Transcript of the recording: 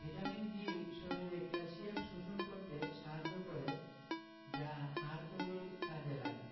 vitamin D শরীরে calcium শোষণ করতে সাহায্য করে যা হাড় তৈরীর কাজে লাগে